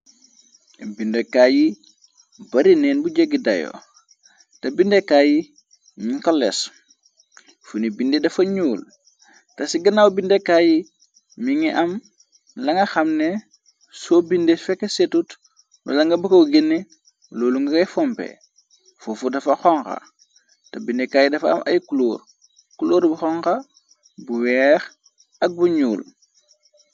Bindekaay yi bari neen bu jeggi dayo te bindekaay yi ñiñ ko les funi bindi dafa ñuul te ci ginaaw bindekaayy mi ngi am langa xamne soo binde fek setut lu la nga bëkko gene loolu ngakay pompe fofu dafa xonga te bindekaay y dafa am ay lr klore bu xonga bu weex ak bu ñuul.